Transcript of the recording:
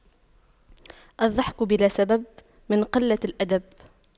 الضحك بلا سبب من قلة الأدب